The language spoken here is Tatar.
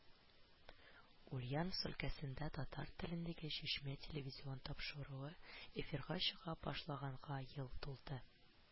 Ульяновск өлкәсендә татар телендәге “Чишмә” телевизион тапшыруы эфирга чыга башлаганга ел тулды